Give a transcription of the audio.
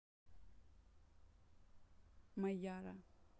mayra